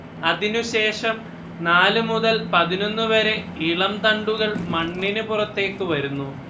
അതിനു ശേഷം നാലു മുതൽ പതിനൊന്നു വരെ ഇളം തണ്ടുകൾ മണ്ണിനു പുറത്തേക്കു വരുന്നു